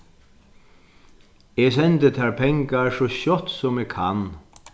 eg sendi tær pengar so skjótt sum eg kann